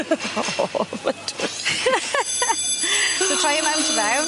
O ma' twll. So troi e mewn tu fewn.